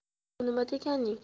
bu nima deganing